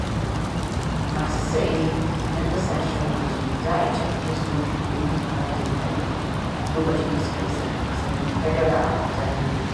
Masu saye na ƙasashen waje za a caje su mafi girman harajin tambari lokacin da suka sayi kadara a Burtaniya